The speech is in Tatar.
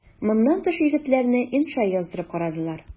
Моннан тыш егетләрне инша яздырып карадылар.